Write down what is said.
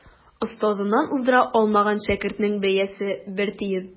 Остазыннан уздыра алмаган шәкертнең бәясе бер тиен.